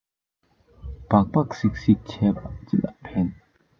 སྦག སྦག གསིག གསིག བྱས པས ཅི ལ ཕན